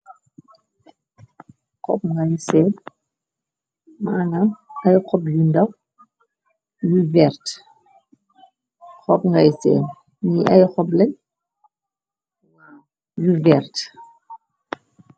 Xop ngay seen maanam ay xob yu ndaw xop ngay seen ni ay xoblañ waa yu vert.